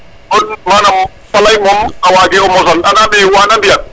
manam faley moom a wage o mosan anda me wana mbiyan